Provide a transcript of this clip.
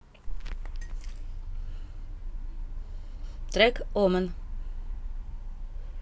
трек omen